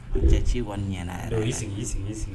Cɛci bɔ ɲɛna yɛrɛ'i sigi sigi sigi